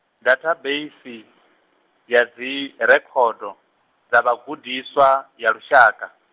dathabeisi, ya dzirekhodo, dza vhagudiswa, ya lushaka.